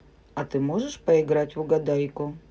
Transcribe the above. а ты можешь поиграть в угадайку